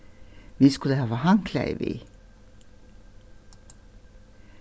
vit skulu hava handklæði við